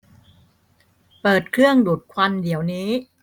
เปิดเครื่องดูดควันเดี๋ยวนี้